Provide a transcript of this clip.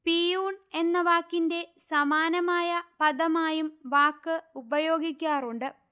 peon എന്ന വാക്കിന്റെ സമാനമായ പദമായും വാക്ക് ഉപയോഗിക്കാറുണ്ട്